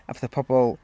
A fatha pobl...